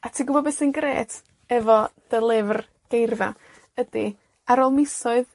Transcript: A ti gwbo be' sy'n grêt efo dy lyfr geirfa, ydi, ar ôl misoedd,